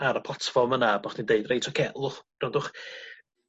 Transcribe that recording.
ar y platfform yna bo' chdi'n deud reit oce ylwch grandwch